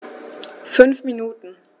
5 Minuten